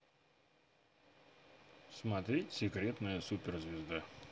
смотреть секретная суперзвезда